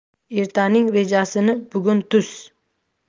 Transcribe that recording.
ertaning rejasini bugun tuz